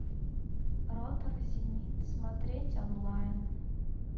ротор зенит смотреть онлайн